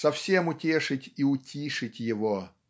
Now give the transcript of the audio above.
совсем утешить и утишить его